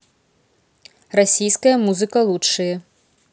российская музыка лучшее